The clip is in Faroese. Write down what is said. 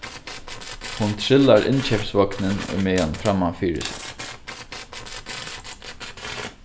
hon trillar innkeypsvognin ímeðan framman fyri sær